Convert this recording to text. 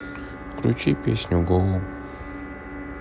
включи песню гоу